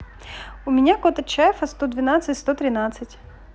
у меня кот от чайфа сто двенадцать сто тринадцать